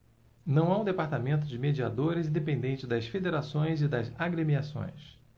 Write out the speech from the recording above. não há um departamento de mediadores independente das federações e das agremiações